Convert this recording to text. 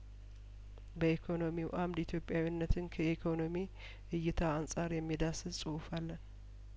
በኢኮኖሚው አምድ ኢትዮጵያዊ ነትን ከኢኮኖሚ እይታ አንጻር የሚዳስስ ጽሁፍ አለን